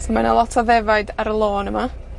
So ma' 'na lot o ddefaid ar y lôn yma.